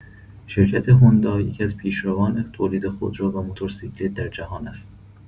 شرکت هوندا یکی‌از پیشروان تولید خودرو و موتورسیکلت در جهان است.